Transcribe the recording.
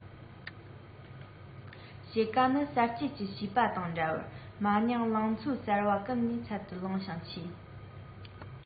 དཔྱིད ཀ ནི གསར སྐྱེས ཀྱི བྱིས པ དང འདྲ བར མ རྙིང ལང ཚོ གསར པ ཀུན ནས འཚར དུ ལོང ཞིང མཆིས